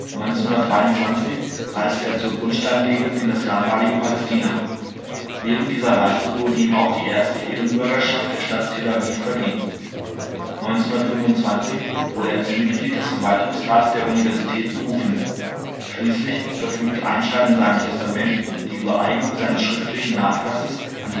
1923 reiste er zur Grundsteinlegung in das damalige Palästina. (Während dieser Reise wurde ihm auch die erste Ehrenbürgerschaft der Stadt Tel Aviv verliehen.) 1925 wurde er zum Mitglied des Verwaltungsrats der Universität berufen. Schließlich verfügte Einstein in seinem Testament die Übereignung seines schriftlichen Nachlasses an